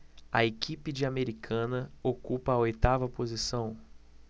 a equipe de americana ocupa a oitava posição